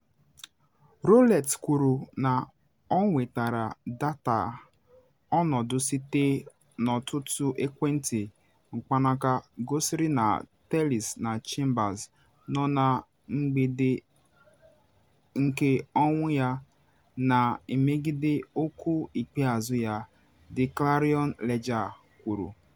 Rowlett kwuru na ọ nwetara data ọnọdụ site n’ọtụtụ ekwentị mkpanaka gosiri na Tellis na Chambers nọ na mgbede nke ọnwụ ya, na emegide okwu ikpeazụ ya, The Clarion Ledger kwuru.